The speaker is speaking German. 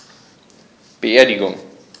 Beerdigung